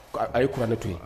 A ye kuranɛ to ye